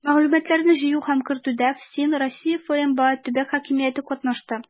Мәгълүматларны җыю һәм кертүдә ФСИН, Россия ФМБА, төбәк хакимияте катнашты.